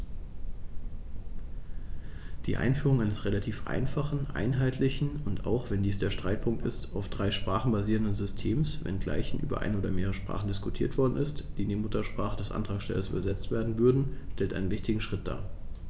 Die Einführung eines relativ einfachen, einheitlichen und - auch wenn dies der Streitpunkt ist - auf drei Sprachen basierenden Systems, wenngleich über eine oder mehrere Sprachen diskutiert worden ist, die in die Muttersprache des Antragstellers übersetzt werden würden, stellt einen wichtigen Schritt dar.